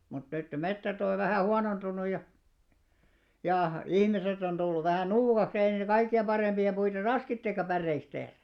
mutta nyt ne metsät on jo vähän huonontunut ja ja ihmiset on tullut vähän nuukaksi ei ne kaikkien parempia puita raskikaan päreiksi tehdä